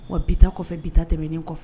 Wa bi bi tɛmɛen kɔfɛ